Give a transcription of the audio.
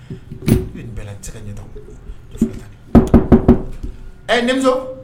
I bɛ ka ɲɛ